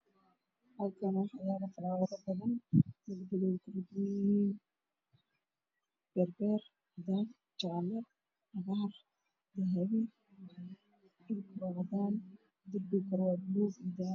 Halkaan waxaa ka muuqdo qol ay ku jiraan ubax midabkoodu uu yahay guduud, cagaar, jaalo iyo cadays